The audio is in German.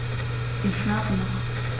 Ich schlafe noch.